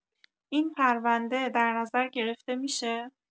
این پرونده در نظر گرفته می‌شه؟